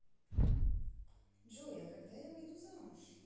джой а когда я выйду замуж